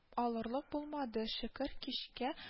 Алырлык булмады, шөкер, кичкә